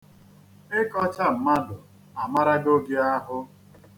Ịkọcha mmadụ amarago gị ahụ.